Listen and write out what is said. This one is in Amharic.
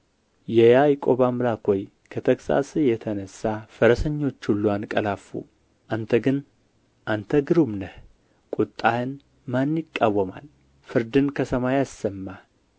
የያዕቆብ አምላክ ሆይ ከተግሣጽህ የተነሣ ፈረሰኞች ሁሉ አንቀላፉ አንተ ግን አንተ ግሩም ነህ ቍጣህን ማን ይቃወማል ፍርድን ከሰማይ አሰማህ